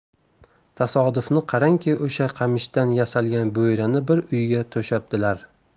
tasodifni qarangki o'sha qamishdan yasalgan bo'yrani bir uyga to'shabdilar